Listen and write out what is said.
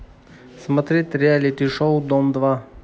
смотреть реалити шоу дом два